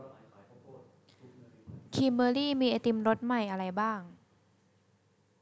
ครีมเมอรี่มีไอติมรสใหม่อะไรบ้าง